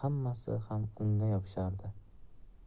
ham unga yopishardi